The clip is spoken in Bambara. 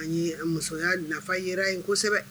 An musoya nafa jira yen kosɛbɛ